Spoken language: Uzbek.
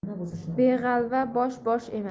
beg'alva bosh bosh emas